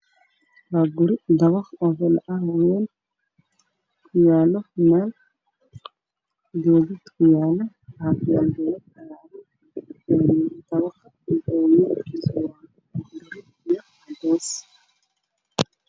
Waa magaalo waxaa i muuqda dabaqyo aada u dhaadheer oo cadaan iyo kalana kale leh iyo geedo cagaaran